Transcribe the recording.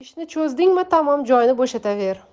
ishni cho'zdingmi tamom joyni bo'shataver